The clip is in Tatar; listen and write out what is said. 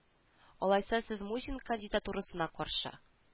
Алайса сез мусин кандидатурасына каршы